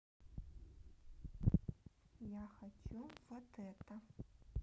я хочу вот это